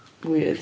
Gwydd.